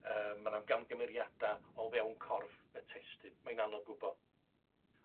yy ma' 'na gamgymeriada o fewn corff y testun, mae'n anodd gwbo.